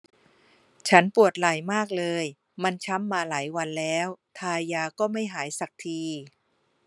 ฉันปวดไหล่มากเลยมันช้ำมาหลายวันแล้วทายาก็ไม่หายสักที